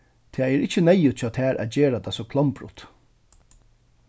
tað er ikki neyðugt hjá tær at gera tað so klombrut